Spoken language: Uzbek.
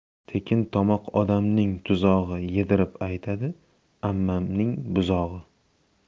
tekin tomoq odamning tuzog'i yedirib aytadi ammamning buzog'i